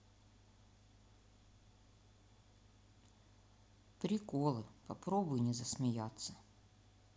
приколы попробуй не засмеяться